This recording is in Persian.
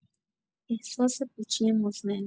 احساس پوچی مزمن